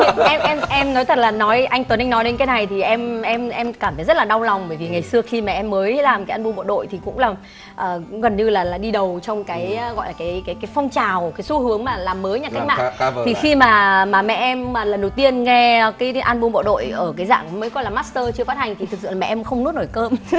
em em em nói thật là nói anh tuấn anh nói đến cái này thì em em em cảm thấy rất là đau lòng bởi vì ngày xưa khi mà em mới làm cái an bum bộ đội thì cũng là ờ cũng gần như là là đi đầu trong cái gọi là cái cái cái phong trào cái xu hướng mà làm mới nhạc cách mạng thì khi mà mà mẹ em mà lần đầu tiên nghe cái an bum bộ đội ở cái dạng mới gọi là mát tơ chưa phát hành thì thực sự là mẹ em không nuốt nổi cơm